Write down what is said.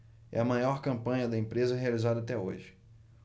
é a maior campanha da empresa realizada até hoje